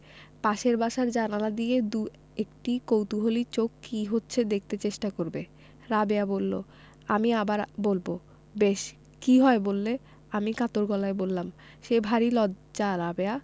পাশের বাসার জানালা দিয়ে দুএকটি কৌতুহলী চোখ কি হচ্ছে দেখতে চেষ্টা করবে রাবেয়া বললো আমি আবার বলবো বেশ কি হয় বললে আমি কাতর গলায় বললাম সে ভারী লজ্জা রাবেয়া